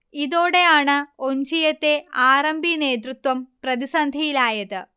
ഇതോടെയാണ് ഒഞ്ചിയത്തെ R. M. P. നേതൃത്വം പ്രതിസന്ധിയിലായത്